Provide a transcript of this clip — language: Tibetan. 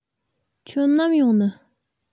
ཁྱོད ནམ ཡོང ནི